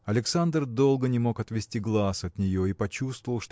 Александр долго не мог отвести глаз от нее и почувствовал